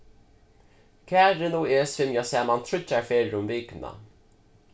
karin og eg svimja saman tríggjar ferðir um vikuna